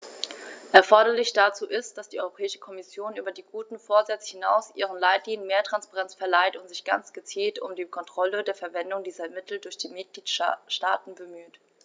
Erforderlich dazu ist, dass die Europäische Kommission über die guten Vorsätze hinaus ihren Leitlinien mehr Transparenz verleiht und sich ganz gezielt um die Kontrolle der Verwendung dieser Mittel durch die Mitgliedstaaten bemüht.